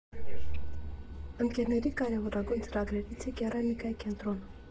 Ընկերների կարևորագույն ծրագրերից է կերամիկայի կենտրոնը։